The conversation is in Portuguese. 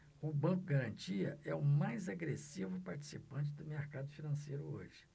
o banco garantia é o mais agressivo participante do mercado financeiro hoje